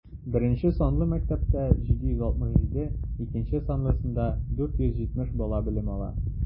Беренче санлы мәктәптә - 767, икенче санлысында 470 бала белем ала.